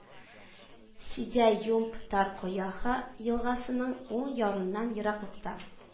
Сидя-Юмб-Тарко-Яха елгасының уң ярыннан ераклыкта